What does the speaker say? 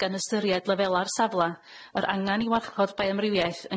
gan ystyried lefela'r safla yr angan i warchod baioamrywiaeth